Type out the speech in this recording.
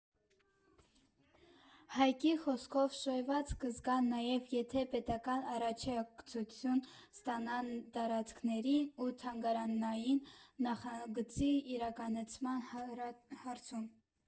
Հայկի խոսքով՝ շոյված կզգան նաև, եթե պետական աջակցություն ստանան տարածքների ու թանգարանային նախագծի իրականացման հարցում.